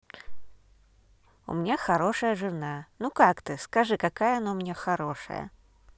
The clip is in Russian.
у меня хорошая жена ну как ты скажи какая она у меня хорошая